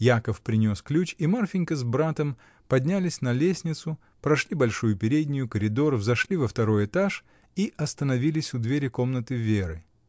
Яков принес ключ, и Марфинька с братом поднялись на лестницу, прошли большую переднюю, коридор, взошли во второй этаж и остановились у двери комнаты Веры.